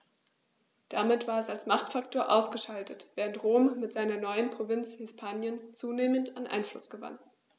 Damit war es als Machtfaktor ausgeschaltet, während Rom mit seiner neuen Provinz Hispanien zunehmend an Einfluss gewann.